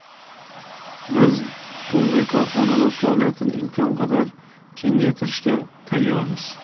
biz bunday korxonalar faoliyatini imkon qadar kengaytirishga tayyormiz